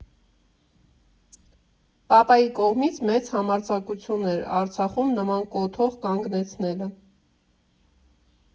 Պապայի կողմից մեծ համարձակություն էր Արցախում նման կոթող կանգնեցնելը։